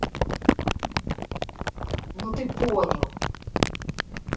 ну ты понял